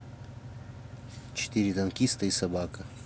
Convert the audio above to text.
четыре танкиста и собака